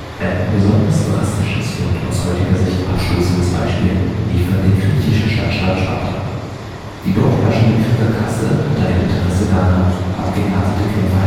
Ein besonders drastisches und aus heutiger Sicht abstoßendes Beispiel liefert der griechischen Stadtstaat Sparta. Die dort herrschende Kriegerkaste hatte ein Interesse daran, abgehärtete Kämpfer